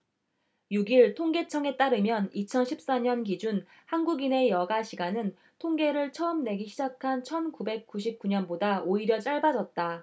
육 일 통계청에 따르면 이천 십 사 년 기준 한국인의 여가 시간은 통계를 처음 내기 시작한 천 구백 구십 구 년보다 오히려 짧아졌다